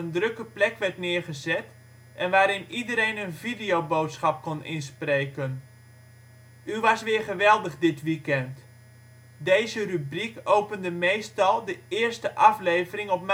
drukke plek werd neergezet en waarin iedereen een videoboodschap kon inspreken. U was weer geweldig dit weekend: Deze rubriek opende meestal de eerste aflevering op